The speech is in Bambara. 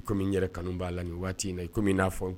Komi n yɛrɛ kanu b'a la nin waati in na i komi n'a fɔ